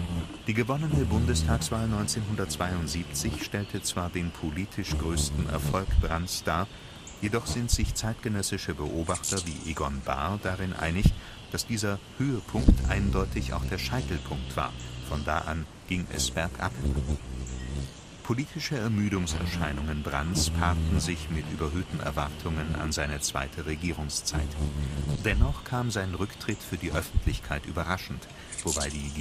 Die gewonnene Bundestagswahl 1972 stellte zwar den politisch größten Erfolg Brandts dar, jedoch sind sich zeitgenössische Beobachter wie Egon Bahr darin einig, dass dieser „ Höhepunkt eindeutig auch der Scheitelpunkt war – von da an ging es bergab “. Politische Ermüdungserscheinungen Brandts paarten sich mit überhöhten Erwartungen an seine zweite Regierungszeit. Dennoch kam sein Rücktritt für die Öffentlichkeit überraschend, wobei die